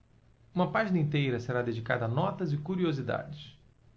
uma página inteira será dedicada a notas e curiosidades